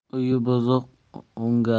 uyi buzuq o'ngalur